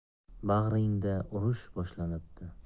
bag'ringda urush boshlanibdi